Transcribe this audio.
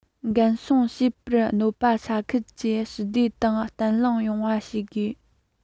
འགན སྲུང བྱེད པར གནོད པ ས ཁུལ གྱི ཞི བདེ དང བརྟན ལྷིང ཡོང བ བྱེད དགོས